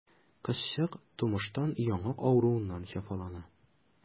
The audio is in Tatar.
Кызчык тумыштан яңак авыруыннан җәфалана.